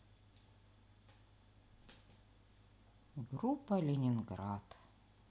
группа ленинград